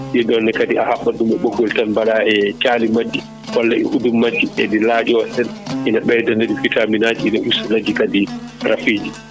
ɗiɗonne kadi a haaɓat ɗum e boggol tan mbaɗa e caali majji walla e hudum majji eɗi laaƴo tan ene beydaɗi vitamine aji ina ustaniɗi kadi rafiji